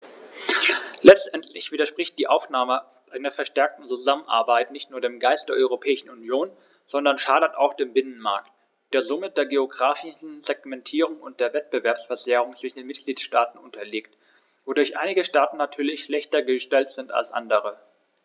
Letztendlich widerspricht die Aufnahme einer verstärkten Zusammenarbeit nicht nur dem Geist der Europäischen Union, sondern schadet auch dem Binnenmarkt, der somit der geographischen Segmentierung und der Wettbewerbsverzerrung zwischen den Mitgliedstaaten unterliegt, wodurch einige Staaten natürlich schlechter gestellt sind als andere.